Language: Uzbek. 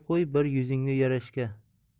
qo'y bir yuzingni yarashga